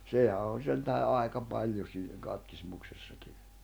sehän on sen tähden aika paljon siinä katkismuksessakin